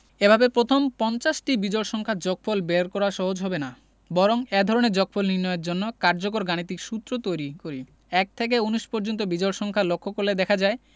এভাবে প্রথম পঞ্চাশটি বিজোড় সংখ্যার যগফল বের করা সহজ হবে না বরং এ ধরনের যগফল নির্ণয়ের জন্য কার্যকর গাণিতিক সূত্র তৈরি করি ১ থেকে ১৯ পর্যন্ত বিজোড় সংখ্যা লক্ষ করলে দেখা যায়